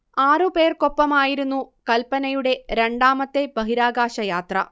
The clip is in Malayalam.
ആറു പേർക്കൊപ്പമായിരുന്നു കൽപനയുടെ രണ്ടാമത്തെ ബഹിരാകാശ യാത്ര